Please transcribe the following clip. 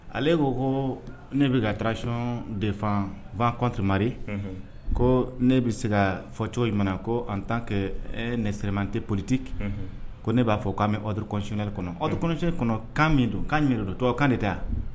Ale ko ne bɛ ka transition défend vent contre marré unhun, ko ne bɛ se ka fɔ cogo jumɛn na ko en tant que un expérimenté politique, unhun ko ne b'a fɔ k'an bɛ ordre constitutionnel kɔnɔ, ordre constitutionnel kɔnɔ kan min dɔn Kan jumɛn don, tubabu kan tɛ wa?